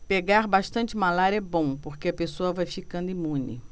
pegar bastante malária é bom porque a pessoa vai ficando imune